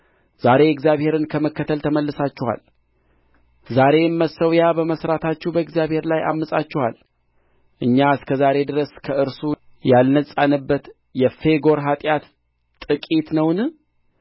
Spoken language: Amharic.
ዛሬ እግዚአብሔርን ከመከተል ተመልሳችኋል ዛሬም መሠዊያ በመሥራታችሁ በእግዚአብሔር ላይ ዐምፃችኋል እኛ እስከ ዛሬ ድረስ ከእርሱ ያልነጻንበት የፌጎር ኃጢአት ጥቂት ነውን